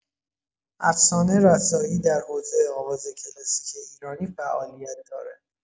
افسانه رسایی در حوزه آواز کلاسیک ایرانی فعالیت دارد.